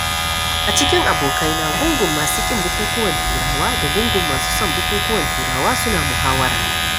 A cikin abokaina, gungun masu ƙin bukukuwan Turawa da gungun masu son bukukuwan Turawa suna muhawara.